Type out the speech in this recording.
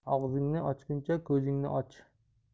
og'zingni ochguncha ko'zingni och